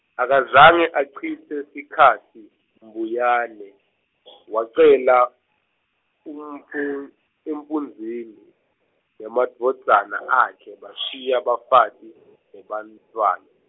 akazange acitse sikhatsi, Mbuyane , wacela, umpu-, empunzini, nemadvodzana akhe bashiya bafati, nebantfwana.